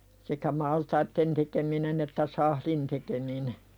sekä maltaiden tekeminen että sahdin tekeminen